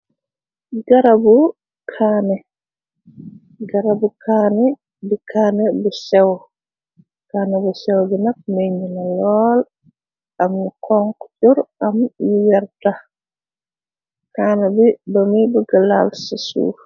Garabu kaane di kanne bu sw kanne bu sew ginap meñ ñuna lool am yu konk cor am yu werta kaana bi donuy bu gëlaal ca suuf.